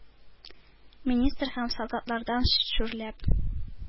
Министр һәм солдатлардан шүрләп,